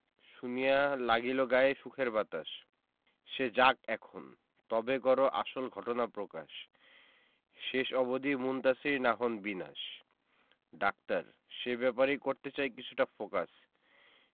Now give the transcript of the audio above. শুনিয়া লাগিল গায়ে সুখের বাতাস সে যাক এখন তবে করো আসল ঘটনা প্রকাশ শেষ অবধি মুনতাসীর না হন বিনাশ ডাক্তার সে ব্যাপারেই করতে চাই কিছুটা ফোকাস